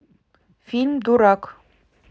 фильм дурак